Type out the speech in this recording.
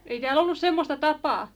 ei täällä ollut semmoista tapaa